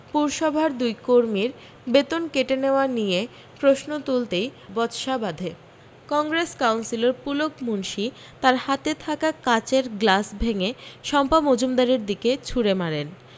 পুরসভার দুই কর্মীর বেতন কেটে নেওয়া নিয়ে প্রশ্ন তুলতেই বচসা বাধে কংগ্রেস কাউন্সিলর পুলক মুন্সি তাঁর হাতে থাকা কাঁচের গ্লাস ভেঙে শম্পা মজুমদারের দিকে ছুড়ে মারেন